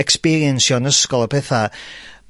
ecsperiensio'n ysgol a petha